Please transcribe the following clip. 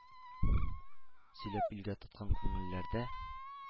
Сөйләп илгә тоткын күңелләрдә